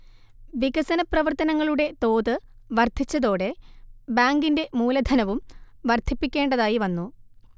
വികസന പ്രവർത്തനങ്ങളുടെ തോത് വർധിച്ചതോടെ ബാങ്കിന്റെ മൂലധനവും വർധിപ്പിക്കേണ്ടതായിവന്നു